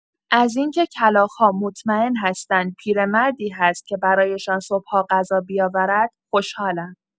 از این‌که کلاغ‌ها مطمئن هستند پیرمردی هست که برایشان صبح‌ها غذا بیاورد، خوشحالم.